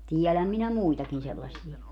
tiedän minä muitakin sellaisia